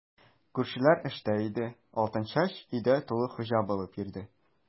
Күршеләр эштә иде, Алтынчәч өйдә тулы хуҗа булып йөрде.